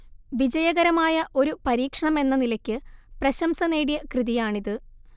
വിജയകരമായ ഒരു പരീക്ഷണമെന്ന നിലയ്ക്ക് പ്രശംസ നേടിയ കൃതിയാണിത്